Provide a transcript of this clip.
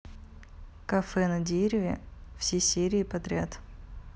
кафе на дереве все серии подряд